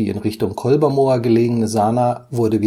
Richtung Kolbermoor gelegene Sana wurde